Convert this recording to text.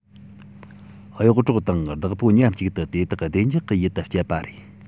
གཡོག གྲོག དང བདག པོ མཉམ གཅིག ཏུ དེ དག བདེ འཇགས ཀྱི ཡུལ དུ སྐྱེལ བ རེད